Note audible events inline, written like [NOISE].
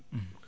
[HESITATION] [HESITATION]